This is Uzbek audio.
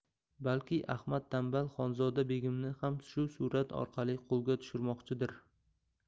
balki ahmad tanbal xonzoda begimni ham shu surat orqali qo'lga tushirmoqchidir